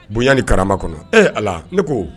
Bonya ni karama kɔnɔ e Ala ne ko